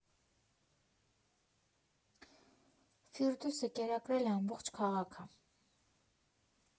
Ֆիրդուսը «կերակրել» է ամբողջ քաղաքը։